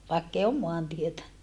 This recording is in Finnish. vaikka ei ole maantietä